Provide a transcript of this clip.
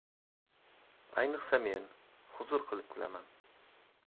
ayniqsa men huzur qilib kulaman